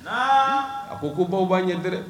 Aa a ko ko baw' ɲɛ tɛ